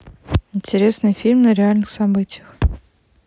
интересные фильмы на реальных событиях